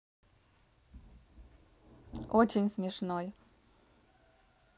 очень смешной